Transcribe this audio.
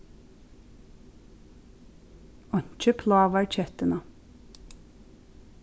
einki plágar kettuna